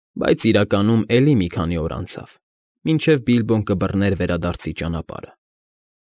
Բայց իրականում էլի մի քանի օր անցավ, մինչև Բիլբոն կբռներ վերադարձի ճանապարհը։